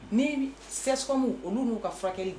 Ni sɛsɔn min olu n'u ka furakɛli